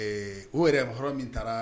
O yɛrɛ hɔrɔn min taara